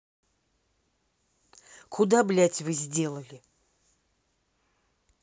куда блять вы сделали